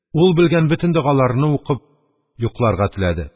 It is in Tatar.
Ул, белгән бөтен догаларыны укып, йокларга теләде.